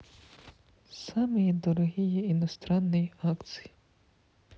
самые дорогие иностранные акции